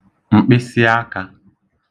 m̀kpịsịakā